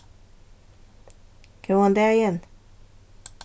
góðan dagin